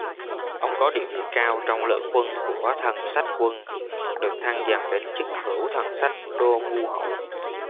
ông có địa vị cao trong lưỡng quân của thần sách quân được thăng dần đến chức hữu thần sách đô ngu hậu